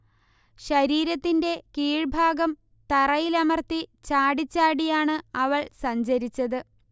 ശരീരത്തിന്റെ കീഴ്ഭാഗം തറയിലമർത്തി ചാടിച്ചാടിയാണ് അവൾ സഞ്ചരിച്ചത്